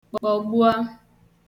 kpọ̀gbua